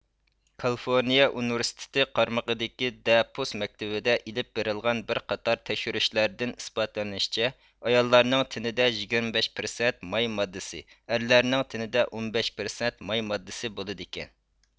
كالىفورنىيە ئۇنىۋېرسىتېتى قارىمىقىدىكى دەپۈس مەكتىۋىدە ئېلىپ بېرىلغان بىر قاتار تەكشۈرۈشلەردىن ئىسپاتلىنىشىچە ئاياللارنىڭ تېنىدە يىگىرمە بەش پىرسەنت ماي ماددىسى ئەرلەرنىڭ تېنىدە ئون بەش پىرسەنت ماي ماددىسى بولىدىكەن